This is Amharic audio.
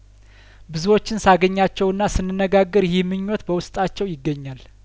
ብዙዎችን ሳገኛ ቸውና ስንነጋገር ይህምኞት በውስጣቸው ይገኛል